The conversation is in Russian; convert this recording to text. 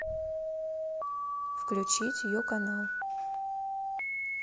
включить ю канал